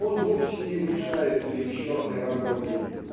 он вовсе не гнушается и черной работой